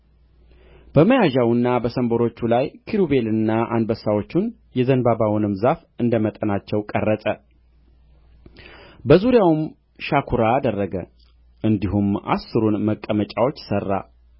በመያዣውና በሰንበሮቹ ላይ ኪሩቤልንና አንበሳዎችን የዘንባባውንም ዛፍ እንደ መጠናችው ቀረጸ በዙሪያውም ሻኵራ አደረገ እንዲሁ አሥሩን መቀመጫዎች ሠራ